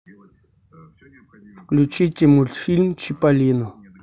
включите мультфильм чиполлино